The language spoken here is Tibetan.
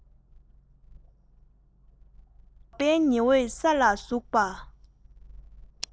ལུས པོ འདི འགྲོ ཤེས པའི བེམ པོ ཡིན པའི སྣང བ སྐྱེས